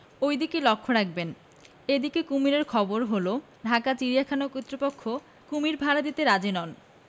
ঐ দিকেও লক্ষ রাখবেন এ দিকে কুমীরের খবর হল ঢাকা চিড়িয়াখানা কর্তৃপক্ষ কুণীর ভাড়া দিতে রাজী নন